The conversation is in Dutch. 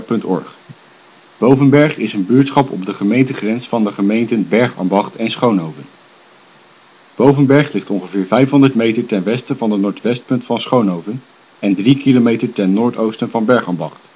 een buurtschap op de gemeentegrens van de gemeenten Bergambacht en Schoonhoven. Bovenberg ligt ongeveer 500 meter ten westen van de noordwestpunt van Schoonhoven en drie kilometer ten noordoosten van Bergambacht